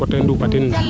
coté nduupa tin ne